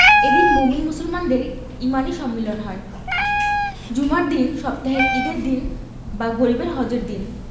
এদিন মোমিন মুসলমানদের ইমানি সম্মিলন হয় জুমার দিন সপ্তাহের ঈদের দিন বা গরিবের হজের দিন